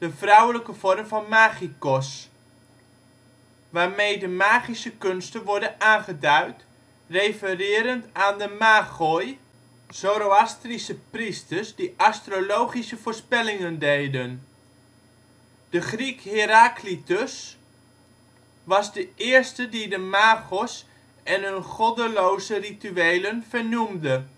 vrouwelijke vorm van magikos (μαγικός), waarmee de magische kunsten worden aangeduid, refererend aan de Magoi, - enkelvoud mágos, (μάγος) - Zoroastrische priesters die astrologische voorspellingen deden. De Griek Heraclitus (6e eeuw v.Chr.) was de eerste die de mágos en hun ' goddeloze rituelen ' vernoemde